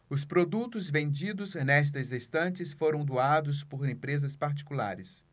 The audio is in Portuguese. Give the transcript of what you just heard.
os produtos vendidos nestas estantes foram doados por empresas particulares